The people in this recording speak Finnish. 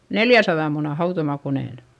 neljänsadan munan hautomakoneen